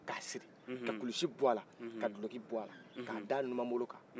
ka siri ka kulusi b'ala ka guloki b'ala ka da nunmabolo kan